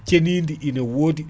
ceniɗi ina wodi